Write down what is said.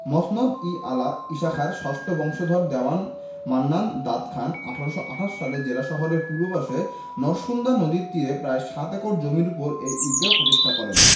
মসনদ ই আলা ঈশাখার ষষ্ঠ বংশধর দেওয়ান মান্নান দাদ খান ১৮২৮ সালে জেলা শহরের পূর্ব পাশে নরসুন্দা নদীর তীরে প্রায় সাত একর জমির ওপর এই ঈদগাহ প্রতিষ্ঠা করেন